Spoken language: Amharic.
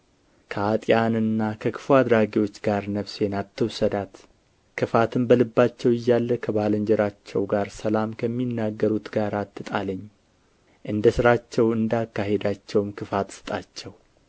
ከኃጥኣንና ከክፉ አድራጊዎች ጋር ነፍሴን አትውሰዳት ክፋትም በልባቸው እያለ ከባልንጀራቸው ጋር ሰላም ከሚናገሩት ጋር አትጣለኝ እንደ ሥራቸው እንደ አካሄዳቸውም ክፉት ስጣቸው